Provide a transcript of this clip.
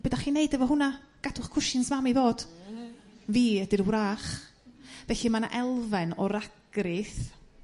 Be 'dach chi'n 'neud efo hwnna gadwch cwshins mam i fod. Fi ydy'r wrach. Felly ma' 'na elfen o ragrith